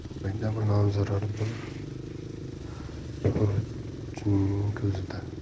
foyda bilan zarar bir xurjinning ko'zida